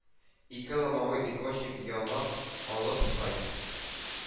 Ике ломовой извозчик яллап алып кайт!